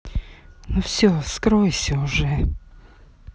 ну все скройся уже